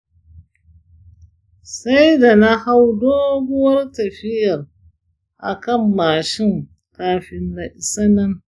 sai da na hau doguwar tafiyar akan mashin kafin na isa nan.